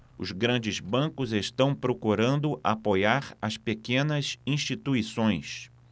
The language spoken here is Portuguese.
os grandes bancos estão procurando apoiar as pequenas instituições